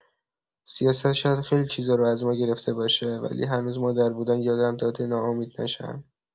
سیاست شاید خیلی چیزا رو از ما گرفته باشه، ولی هنوز مادر بودن یادم داده ناامید نشم.